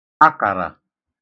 akàrà